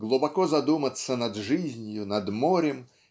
глубоко задуматься над жизнью над морем